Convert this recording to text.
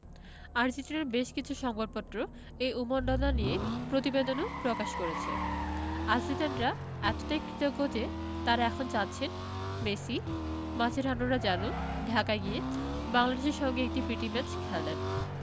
আর্জেন্টিনার বেশ কিছু সংবাদপত্র এই উন্মাদনা নিয়ে প্রতিবেদনও প্রকাশ করেছে আর্জেন্টাইনরা এতটাই কৃতজ্ঞ যে তাঁরা এখন চাচ্ছেন মেসি মাচেরানোরা যেন ঢাকায় গিয়ে বাংলাদেশের সঙ্গে একটি প্রীতি ম্যাচ খেলেন